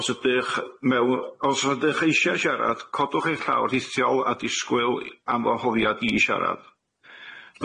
Os ydych mew- os ydych eisia siarad codwch eich llawr rhithiol a disgwyl am wahoddiad i siarad.